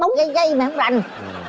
rành